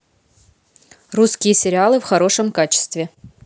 русские сериалы в хорошем качестве